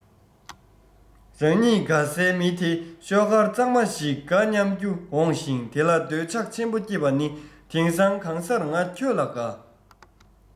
རང ཉིད དགའ སའི མི དེ ཤོག དཀར གཙང མ ཞིག དགའ སྙམ རྒྱུ འོངས ཤིང དེ ལ འདོད ཆགས ཆེན པོ སྐྱེས པ ནི དེང སང གང སར ང ཁྱོད ལ དགའ